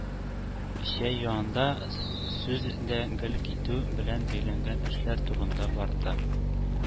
Чәй янында сүз дә гел китү белән бәйләнгән эшләр турында барды.